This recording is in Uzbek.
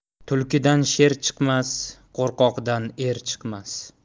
tulkidan sher chiqmas qo'rqoqdan er chiqmas